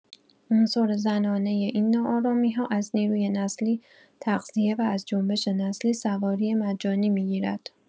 عنصر زنانه این ناآرامی‌ها از نیروی نسلی تغذیه و از جنبش نسلی سواری مجانی می‌گیرد.